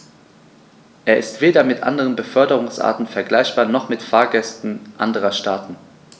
Er ist weder mit anderen Beförderungsarten vergleichbar, noch mit Fahrgästen anderer Staaten.